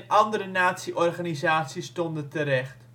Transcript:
andere nazi-organisaties stonden terecht